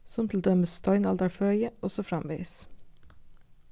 sum til dømis steinaldarføði og so framvegis